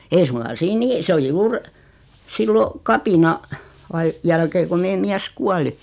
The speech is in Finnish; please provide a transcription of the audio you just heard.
ei suinkaan siinä niin se oli juuri silloin - kapinan jälkeen kun meidän mies kuoli